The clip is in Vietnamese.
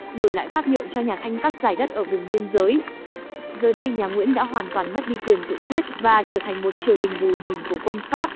đổi lại pháp nhượng cho nhà thanh các dải đất ở vùng biên giới giờ đây nhà nguyễn đã hoàn toàn mất đi quyền tự quyết và trở thành triều đình bù nhìn của quân pháp